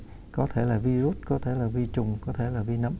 có thể là vi rút có thể là vi trùng có thể là vi nấm